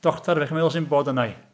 Doctor, be chi'n meddwl sy'n bod arna i?